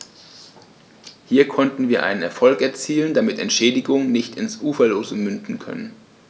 Hier konnten wir einen Erfolg erzielen, damit Entschädigungen nicht ins Uferlose münden können.